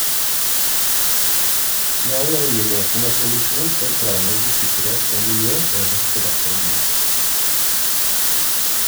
I all oljeleting og -produksjon står kravene til sikkerhet og miljø øverst på dagsordenen.